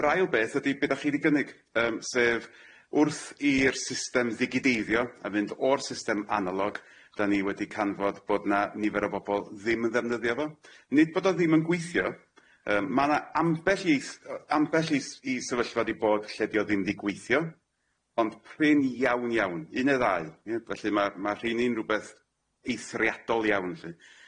Yr ail beth ydi be' dach chi di gynnig yym sef wrth i'r system ddigideiddio a fynd o'r system analog dan ni wedi canfod bod na nifer o bobol ddim yn ddefnyddio fo, nid bod o ddim yn gweithio yym ma' na ambell i th- yy ambell i s- i sefyllfa di bod lle di o ddim di gweithio ond prin iawn iawn un neu ddau ie felly ma' ma' rhenni'n rwbeth eithriadol iawn lly.